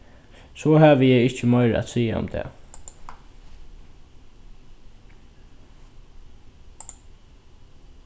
so havi eg ikki meira at siga um tað